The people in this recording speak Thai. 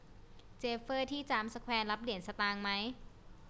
เจฟเฟอร์ที่จามสแควร์รับเหรียญสตางค์ไหม